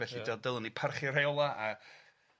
Felly dyl- dylwn ni parchu rheola' a